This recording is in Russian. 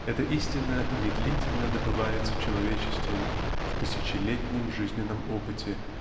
Эта истина медлительно добывается человечеством в тысячелетнем жизненном опыте